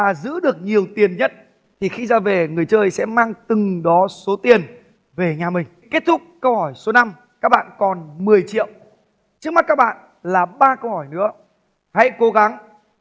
và giữ được nhiều tiền nhất thì khi ra về người chơi sẽ mang từng đó số tiền về nhà mình kết thúc câu hỏi số năm các bạn còn mười triệu trước mắt các bạn là ba câu hỏi nữa hãy cố gắng